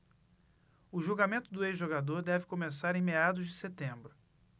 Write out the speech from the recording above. o julgamento do ex-jogador deve começar em meados de setembro